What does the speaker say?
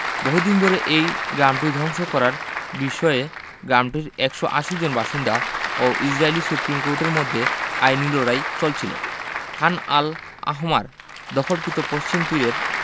বহুদিন ধরে এই গ্রামটি ধ্বংস করার বিষয়ে গ্রামটির ১৮০ জন বাসিন্দা ও ইসরাইলি সুপ্রিম কোর্টের মধ্যে আইনি লড়াই চলছিল খান আল আহমার দখলীকৃত পশ্চিম তীরের